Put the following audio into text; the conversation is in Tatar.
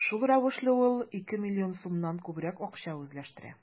Шул рәвешле ул ике миллион сумнан күбрәк акча үзләштерә.